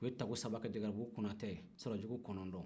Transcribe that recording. u ye ta ko saba kɛ zakɛrɛbugu konatɛ sara jugu kɔnɔnton